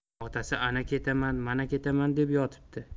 otasi ana ketaman mana ketaman deb yotibdi